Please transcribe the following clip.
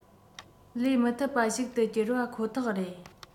ལས མི ཐུབ པ ཞིག ཏུ གྱུར པ ཁོ ཐག རེད